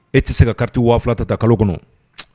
E tɛ se ka carte 2000 ta ta kalo kɔnɔ